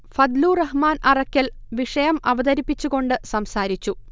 ഫദ്ലു റഹ്മാൻ അറക്കൽ വിഷയം അവതരിപ്പിച്ച് കൊണ്ട് സംസാരിച്ചു